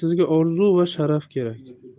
sizga orzu va sharaf kerak